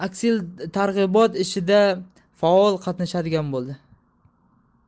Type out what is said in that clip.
aksiltarg ibot ishida faol qatnashadigan bo'ladilar